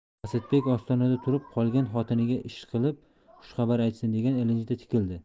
asadbek ostonada turib qolgan xotiniga ishqilib xushxabar aytsin degan ilinjda tikildi